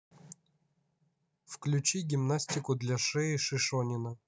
включи гимнастику для шеи шишонина